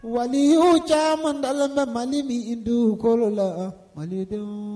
Wali o camanda mali min i dukolo la mali denw